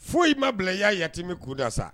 Foyi i ma bila y'a yatimɛ kunda sa